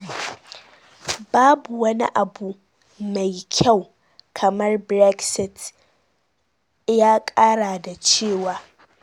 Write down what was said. Babu wani abu mai kyau kamar Brexit, ‘ya kara da cewa.